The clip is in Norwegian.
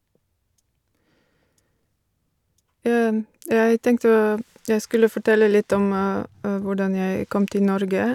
Jeg tenkte å jeg skulle fortelle litt om hvordan jeg kom til Norge.